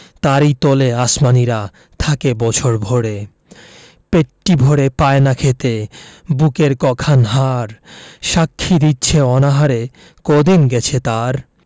তারি তলে আসমানীরা থাকে বছর ভরে পেটটি ভরে পায় না খেতে বুকের ক খান হাড় সাক্ষী দিছে অনাহারে কদিন গেছে তার